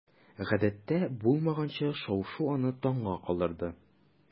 Гадәттә булмаганча шау-шу аны таңга калдырды.